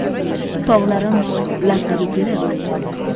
tog'larim larzaga kelib